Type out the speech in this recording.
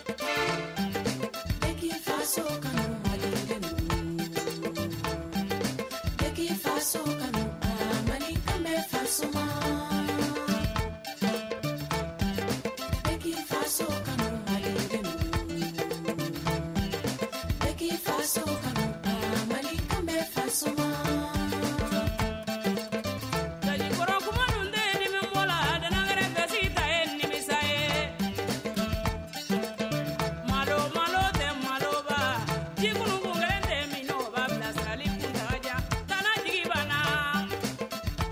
Fa ka fa fa ka fa makɔrɔ sakɔrɔ tɛ wolo tile bɛ ta ye nisa ye malo tɛ maloba jigikɔrɔ tɛba bɛ sali tatigi ba